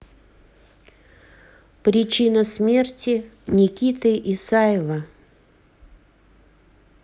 причина смерти никиты исаева